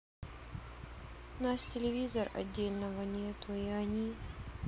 у нас телевизор отдельного нету и они